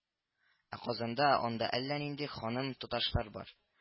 Ә Казанда анда әллә нинди ханым-туташлар бар